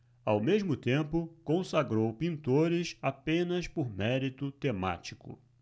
ao mesmo tempo consagrou pintores apenas por mérito temático